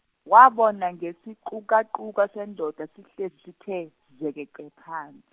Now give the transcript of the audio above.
wabona ngesiqukaquka sendoda sihlezi sithe, zekece phansi.